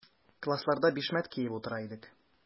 Классларда бишмәт киеп утыра идек.